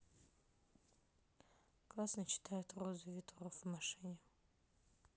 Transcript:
классно читает розы ветров в машине